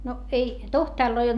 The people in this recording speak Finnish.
no ei tohtoreita ollut